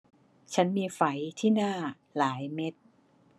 ฉันมีไฝที่หน้าหลายเม็ด